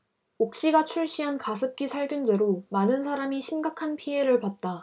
옥시가 출시한 가습기살균제로 많은 사람이 심각한 피해를 봤다